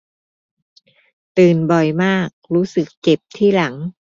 ตื่นบ่อยมากรู้สึกเจ็บที่หลัง